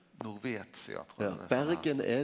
trur eg .